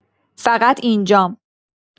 فقط اینجام.